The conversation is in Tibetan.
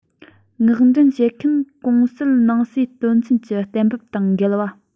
མངགས འདྲེན བྱེད མཁན གྱིས གོང གསལ ནང གསེས དོན ཚན གྱི གཏན འབེབས དང འགལ བ